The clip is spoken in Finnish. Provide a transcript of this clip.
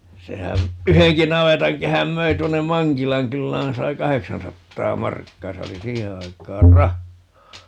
sehän yhdenkin navetankehän myi tuonne Mankilan kylään sai kahdeksansataa markkaa se oli siihen aikaan rahaa